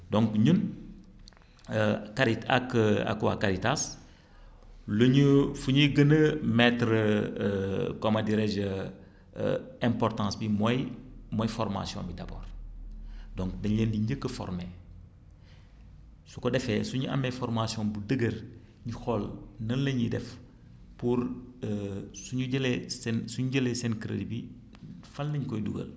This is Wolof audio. donc ñun Carit ak ak waa Caritas lu ñu fu ñuy gën a mettre comment dirais je importance bi mooy mooy formation bi d' abord donc dañu leen di njëkk a formé su ko defee suñu amee formation bu dëgër ñu xool nan la ñuy def pour suñu jëlee seen suñ jëlee seen crédit bi fan la ñu koy dugal